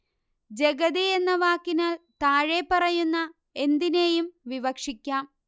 ജഗതി എന്ന വാക്കിനാൽ താഴെപ്പറയുന്ന എന്തിനേയും വിവക്ഷിക്കാം